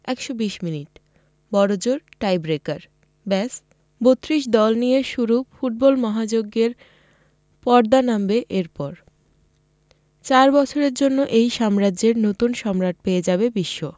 ১২০ minute বড়জোর tiebreaker ব্যস ৩২ দল নিয়ে শুরু ফুটবল মহাযজ্ঞের পর্দা নামবে এরপর চার বছরের জন্য এই সাম্রাজ্যের নতুন সম্রাট পেয়ে যাবে বিশ্ব